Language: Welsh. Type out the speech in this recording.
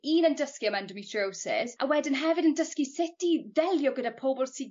un yn dysgu am endometriosis a wedyn hefyd yn dysgu sut i ddelio gyda pobol sy